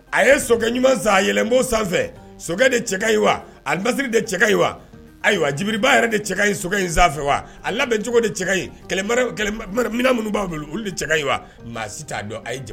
A ye sokɛ ɲuman zanɛlɛnbolo sanfɛ sokɛ de cɛka wa a basisiri de cɛka wa ayiwaba yɛrɛ de cɛ ka ɲi sokɛ in wa a labɛncogo de cɛ ɲi minnu b'a bolo olu de cɛka ɲi wa maa si t'a dɔn ayi ye